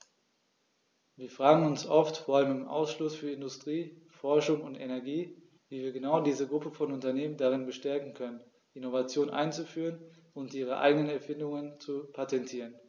Wir fragen uns oft, vor allem im Ausschuss für Industrie, Forschung und Energie, wie wir genau diese Gruppe von Unternehmen darin bestärken können, Innovationen einzuführen und ihre eigenen Erfindungen zu patentieren.